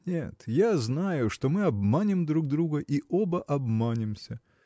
Нет, я знаю, что мы обманем друг друга и оба обманемся.